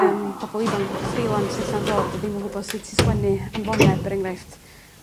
yym bobol ifanc freelance ella'n dod a ddim yn gwbo sut i sgwennu anfoneb er enghraifft.